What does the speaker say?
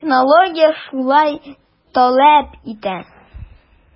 Технология шулай таләп итә.